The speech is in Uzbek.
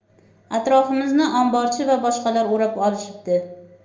atrofimizni omborchi va boshqalar o'rab olishibdi